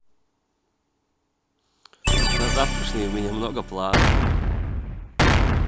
на завтрашний у меня много планов